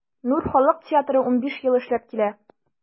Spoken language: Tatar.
“нур” халык театры 15 ел эшләп килә.